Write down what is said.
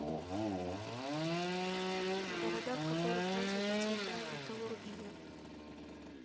города в которых развита цветная металлургия